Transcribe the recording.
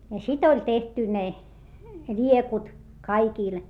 ja sitten oli tehty ne liekut kaikille